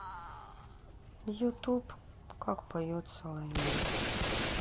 ютуб как поет соловей